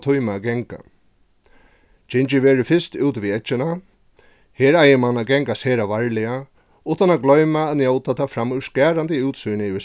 tíma at ganga gingið verður fyrst úti við eggina her eigur mann at ganga sera varliga uttan at gloyma at njóta tað framúrskarandi útsýnið yvir